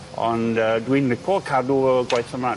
Ond yy dwi'n lico cadw y gwaith ymlan.